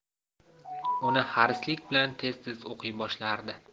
uni harislik bilan tez tez o'qiy boshlardi